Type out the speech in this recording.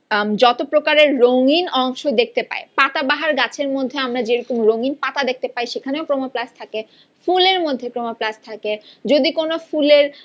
যত প্রকারের রঙিন অংশ দেখতে পাই পাতাবাহার গাছের মধ্যে আমরা যেমন রঙিন পাতা দেখতে পাই সেখানেও ক্রোমোপ্লাস্ট থাকে ফুলের মধ্যে ক্রোমোপ্লাস্ট থাকে যদি কোন ফুলের